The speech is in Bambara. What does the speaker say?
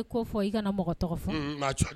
I ko fɔ i ka mɔgɔ tɔgɔ fɛ? Unhun, ma, cɔyi.